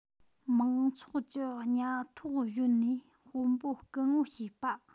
མང ཚོགས ཀྱི གཉའ ཐོག བཞོན ནས དཔོན པོ སྐུ ངོ བྱེད པ